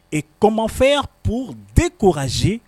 Et comment faire pour décourager